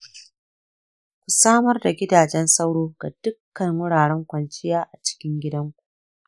ku samar da gidajen sauro ga dukkan wuraren kwanciya a cikin gidan ku.